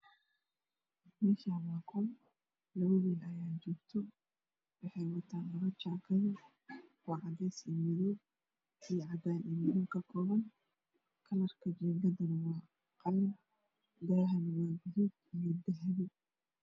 Mashan waa qol wax joogo labo will weey watan labo jakad okale ah madow iyo cadan iyo cades